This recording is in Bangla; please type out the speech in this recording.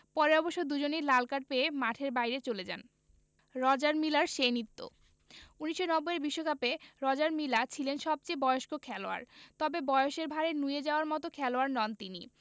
পরে অবশ্য দুজনই লাল কার্ড পেয়ে মাঠের বাইরে চলে যান রজার মিলার সেই নৃত্য ১৯৯০ এর বিশ্বকাপে রজার মিলা ছিলেন সবচেয়ে বয়স্ক খেলোয়াড় তবে বয়সের ভাঁড়ে নুয়ে যাওয়ার মতো খেলোয়াড় নন তিনি